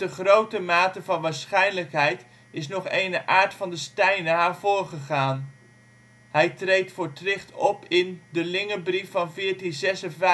grote mate van waarschijnlijkheid is nog ene Aert van den Steyne haar voorgegaan. Hij treedt voor Tricht op in de Lingebrief van 1456